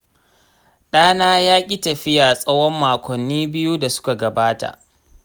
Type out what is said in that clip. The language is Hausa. ɗana ya ƙi tafiya tsawon makonni biyu da suka gabata.